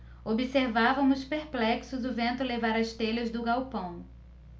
observávamos perplexos o vento levar as telhas do galpão